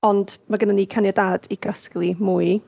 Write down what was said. Ond ma' gynna ni caniatâd i gasglu mwy.